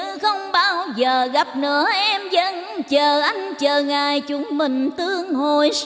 không bao giờ gặp nữa em vẫn chờ anh chờ ngày chúng mình